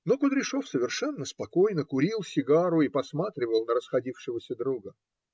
Но Кудряшов совершенно спокойно курил сигару и посматривал на расходившегося друга.